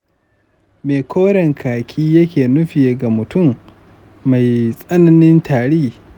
me koren kaki yake nufi ga mutum mai tsananin tari?